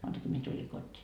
maanantaina minä tulin kotiin